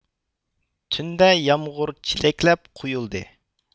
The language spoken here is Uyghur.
تۈندە يامغۇر چېلەكلەپ قۇيۇلدى